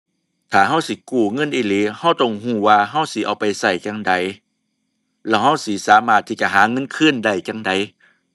ถ้าเราสิกู้เงินอีหลีเราต้องเราว่าเราสิเอาไปเราจั่งใด แล้วเราสิสามารถที่จะหาเงินคืนได้จั่งใด